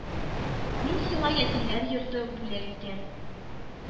Мин сиңа ятимнәр йорты бүләк итәм